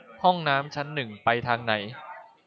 ห้องน้ำชั้นหนึ่งไปทางไหน